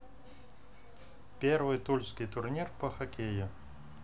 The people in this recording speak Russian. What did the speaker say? первый тульский турнир по хоккею